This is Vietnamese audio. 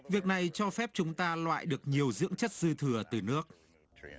việc này cho phép chúng ta loại được nhiều dưỡng chất dư thừa từ nước